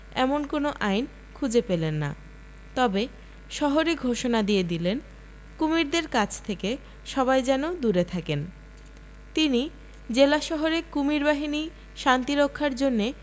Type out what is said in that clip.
এমন কোন আইন খুঁজে পেলেন না তবে শহরে ঘোষণা দিয়ে দিলেন কুমীরদের কাছ থেকে সবাই যেন দূরে থাকেন তিনি জেলা শহরে কুমীর বাহিনী শান্তি রক্ষার জন্যে